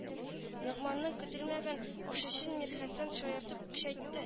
Ногманның көтелмәгән ачышын мирхәсән шаяртып көчәйт